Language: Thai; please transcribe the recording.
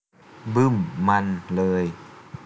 บึ้มมันเลย